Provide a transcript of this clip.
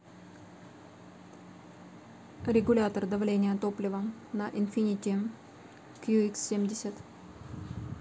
регулятор давления топлива на infiniti qx семьдесят